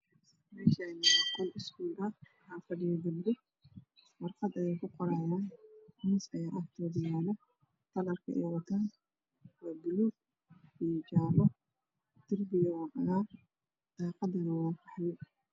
Meeshaan waa qol iskuul ah waxaa fadhiyo gabdho warqad ayay wax kuqorahayaan miis ayaa horyaala kalarka ay wataan waa buluug iyo jaalo. Darbiguna waa cagaar daaqaduna waa qaxwi.